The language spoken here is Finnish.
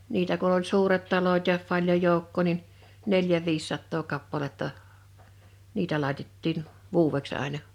niitä kun oli suuret talot ja paljon joukkoa niin neljä viisisataa kappaletta niitä laitettiin vuodeksi aina